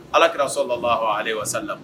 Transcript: Alakirasɔ la ale wa